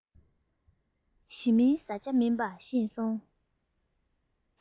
ཞི མིའི བཟའ བྱ མིན པ ཤེས སོང